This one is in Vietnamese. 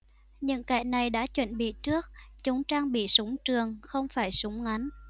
những kẻ này đã chuẩn bị trước chúng trang bị súng trường không phải súng ngắn